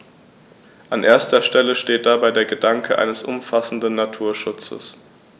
An erster Stelle steht dabei der Gedanke eines umfassenden Naturschutzes.